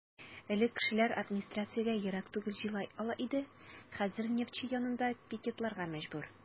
Элек кешеләр администрациягә ерак түгел җыела ала иде, хәзер "Нефтьче" янында пикетларга мәҗбүр.